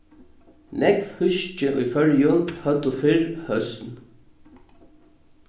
nógv húski í føroyum høvdu fyrr høsn